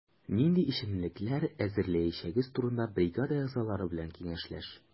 Нинди эчемлекләр әзерләячәгегез турында бригада әгъзалары белән киңәшләш.